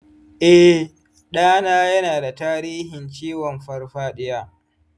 eh, ɗana yana da tarihin ciwon farfaɗiya.